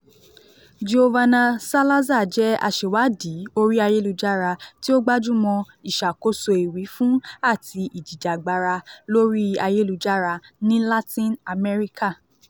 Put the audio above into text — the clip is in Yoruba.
Giovanna Salazar jẹ́ aṣẹ̀wádìí orí ayélujára tí ó gbájú mọ́ ìṣàkóso ìwífún àti ìjìjàgbara lórí ayélujára ní Latin America.